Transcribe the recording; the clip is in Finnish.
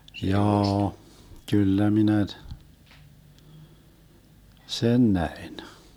jaa kyllä minä - sen näin